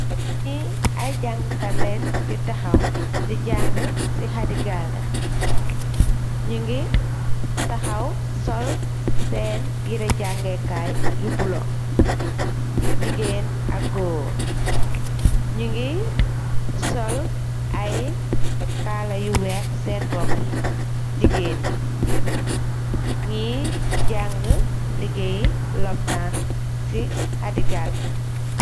ni ay jàng karleen yu taxaw di jàng ci xadigale ñu ngi taxaw sol seen yira jàngeekaay yu bulo jigéen ak góor ñu ngi sol ay kaala yu weex seen bopp jigéen ni ni jàng liggéey loptaan ci xadigalle